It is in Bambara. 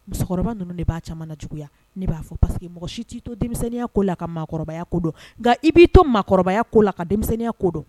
Musɔkɔrɔba ninnu de b'a caman na juguya ne b'a fɔ parce que mɔgɔ si t'i to denmisɛnniya ko la ka maakɔrɔbaya ko don nka i b'i to makɔrɔbaya ko la ka denmisɛnniya ko don